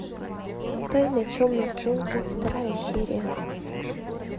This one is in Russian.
тайна темных джунглей вторая серия